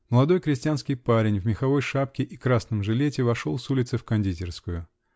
Молодой крестьянский парень в меховой шапке и красном жилете вошел с улицы в кондитерскую.